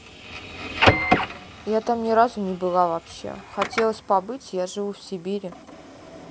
я там ни разу не была вообще хотелось побыть я живу в сибири